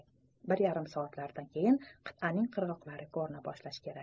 bir yarim soatlardan keyin qit'aning qirg'oqlari ko'rina boshlashi kerak